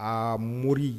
Aa mori